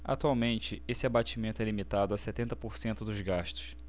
atualmente esse abatimento é limitado a setenta por cento dos gastos